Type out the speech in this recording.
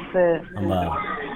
Nse nba